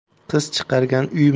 qiz chiqargan uy